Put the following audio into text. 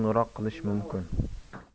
qo'ng'iroq qilish mumkin